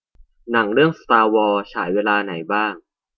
หนังเรื่องสตาร์วอร์ฉายเวลาไหนบ้าง